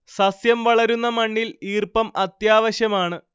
സസ്യം വളരുന്ന മണ്ണിൽ ഈർപ്പം അത്യാവശ്യമാണ്